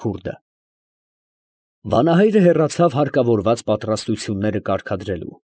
Վանահայրը հեռացավ հարկավորած պատրաստությունները կարգադրելու։